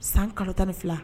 San karata tan ni fila